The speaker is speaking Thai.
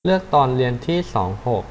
เลือกตอนเรียนที่สองหก